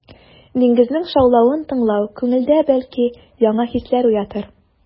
Диңгезнең шаулавын тыңлау күңелдә, бәлки, яңа хисләр уятыр.